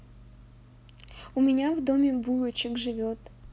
у меня в доме булочек живет